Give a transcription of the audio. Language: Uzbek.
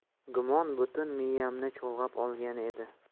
gumon butun miyamni chulg'ab olgan edi